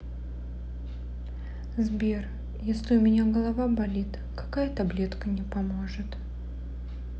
сбер если у меня голова болит какая таблетка не поможет